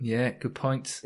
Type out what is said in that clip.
Ie good point.